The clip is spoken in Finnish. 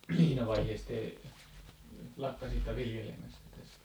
missä vaiheessa te lakkasitte viljelemästä tässä